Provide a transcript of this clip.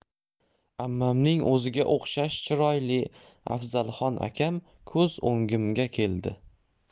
ammamning o'ziga o'xshash chiroyli afzalxon akam ko'z o'ngimga keldi